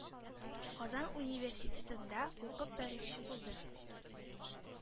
Казан университетында укып тарихчы булды,